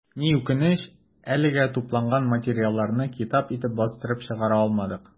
Ни үкенеч, әлегә тупланган материалларны китап итеп бастырып чыгара алмадык.